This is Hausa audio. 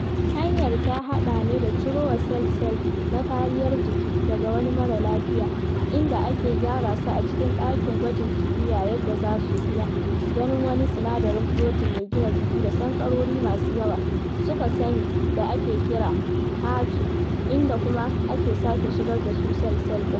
Hanyar ta haɗa ne da cirowa sel-sel na kariyar jiki daga wani marar lafiya, inda ake gyara su a cikin ɗakin gwajin kimiyya yadda za su iya “ganin” wani sinadarin protein mai gina jiki da sankarori masu yawa suka sani da ake kira HER2, inda kuma ake sake shigar da su sel-sel ɗin.